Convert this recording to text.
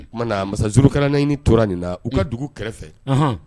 O tuma masazuru kɛranaɲini tora nin na u ka dugu kɛrɛfɛ